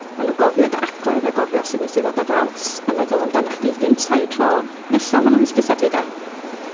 Maen nhw'n cofio dy agwedd a gofio sut wnes di ddod ar draws a meddwl amdanach chdi gynta y tro nesaf maen nhw'n hysbysebu de.